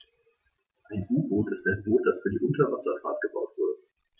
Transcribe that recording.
Ein U-Boot ist ein Boot, das für die Unterwasserfahrt gebaut wurde.